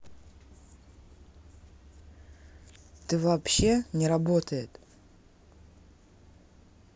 ты вообще не работает